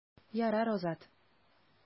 Ярар, Азат.